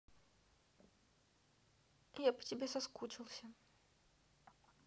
я по тебе соскучился